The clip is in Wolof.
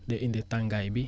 nga indi tàngaay bi